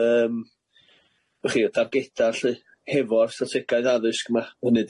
yym w'ch chi y targeda lly hefo'r strategaeth addysg 'ma hynny